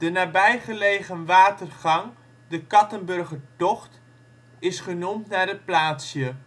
nabij gelegen watergang de Kattenburgertocht is genoemd naar het plaatsje